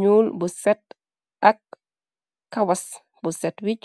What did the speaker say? ñuul bu set ak kawas bu set wiccg.